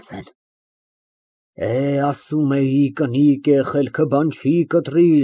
ՏԵՍԻԼ մեկ ՄԱՐԳԱՐԻՏ ԵՎ ԲԱԳՐԱՏ ԲԱԳՐԱՏ ֊ (Դուրս է գալիս ձախ կողմի դռներից ֆրակով և կրծքին տեխնոլոգիական ճեմարանի նշան, փողկապը կապելով)։